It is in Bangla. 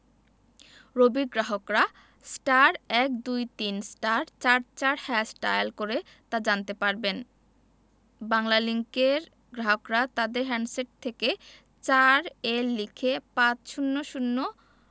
রবির গ্রাহকরা *১২৩*৪৪# ডায়াল করে তা জানতে পারবেন বাংলালিংকের গ্রাহকরা তাদের হ্যান্ডসেট থেকে ৪ এ লিখে পাঁচ শূণ্য শূণ্য